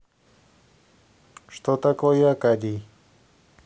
что такое акадий